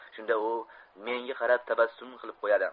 shunda u menga qarab tabassum qilib qo'yadi